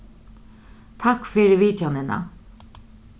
takk fyri vitjanina